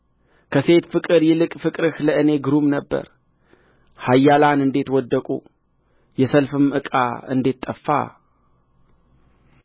ከሴት ፍቅር ይልቅ ፍቅርህ ለእኔ ግሩም ነበረ ኃያላን እንዴት ወደቁ የሰልፍም ዕቃ እንዴት ጠፋ